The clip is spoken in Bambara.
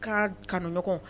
K'a kanuɲɔgɔn